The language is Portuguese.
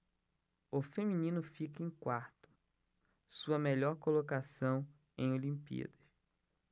o feminino fica em quarto sua melhor colocação em olimpíadas